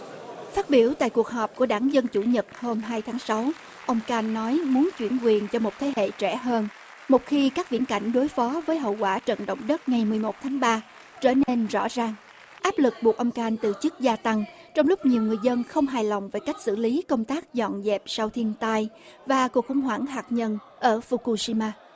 phát biểu tại cuộc họp của đảng dân chủ nhật hôm hai tháng sáu ông can nói muốn chuyển quyền cho một thế hệ trẻ hơn một khi các viễn cảnh đối phó với hậu quả trận động đất ngày mười một tháng ba trở nên rõ ràng áp lực buộc ông can từ chức gia tăng trong lúc nhiều người dân không hài lòng với cách xử lý công tác dọn dẹp sau thiên tai và cuộc khủng hoảng hạt nhân ở phu cu si ma